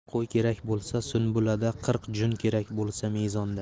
qo'y kerak bo'lsa sunbulada qirq jun kerak bo'lsa mezonda